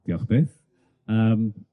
Diolch byth. Yym.